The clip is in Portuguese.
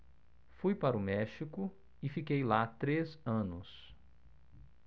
fui para o méxico e fiquei lá três anos